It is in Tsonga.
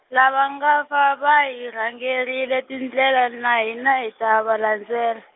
lava va nga fa va hi rhangerile tindlela na hina hi ta va landzela.